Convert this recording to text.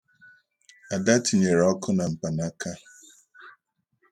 Ada tinyere ọkụ na mpanaaka.